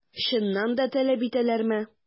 Чыннан да таләп итәләрме?